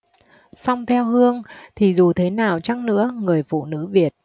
song theo hương thì dù thế nào chăng nữa người phụ nữ việt